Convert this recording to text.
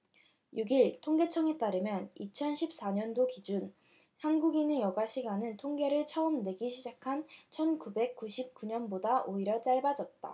육 일 통계청에 따르면 이천 십 사 년 기준 한국인의 여가 시간은 통계를 처음 내기 시작한 천 구백 구십 구 년보다 오히려 짧아졌다